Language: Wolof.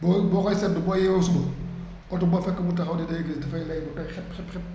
bu boo koy seetlu boo yeewoo suba oto bu ma fekk mu taxaw nii dafay lay ba tooy xëpp xëpp xëpp